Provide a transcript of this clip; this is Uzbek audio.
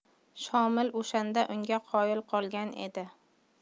shomil o'shanda unga qoyil qolgan edi